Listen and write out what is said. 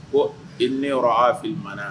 Ko ne yɔrɔ' fɛ ma